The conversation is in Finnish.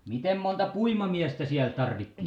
miten monta puimamiestä siellä tarvittiin